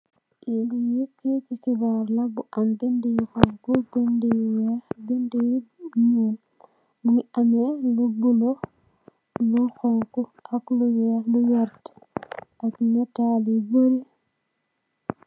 Li keyti xibaar la bu am binda yu xonxu binda yu weex binda yu nuul mongi ame lu bulu lu xonxu ak lu wertax ak netal yu bari.